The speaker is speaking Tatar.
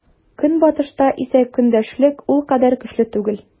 Көнбатышта исә көндәшлек ул кадәр көчле түгел.